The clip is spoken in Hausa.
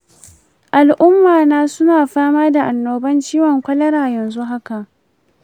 al'umma na suna fama da annoban ciwon kwalara yanzu haka.